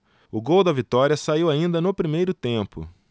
o gol da vitória saiu ainda no primeiro tempo